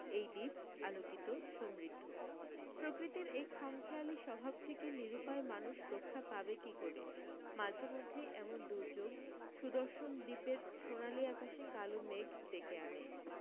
এই দ্বীপ আলোকিত সমৃদ্ধ প্রকৃতির এই খামখেয়ালী স্বভাব থেকে নিরুপায় মানুষ রক্ষা পাবে কী করে মাঝে মধ্যেই এমন দুর্যোগ সুদর্শনদ্বীপের সোনালী আকাশে কালো মেঘ ডেকে আনে